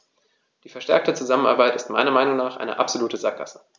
Die verstärkte Zusammenarbeit ist meiner Meinung nach eine absolute Sackgasse.